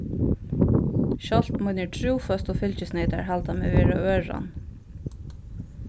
sjálvt mínir trúføstu fylgisneytar halda meg vera øran